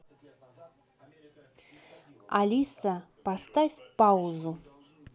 алиса поставь паузу